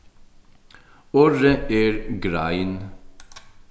orðið er grein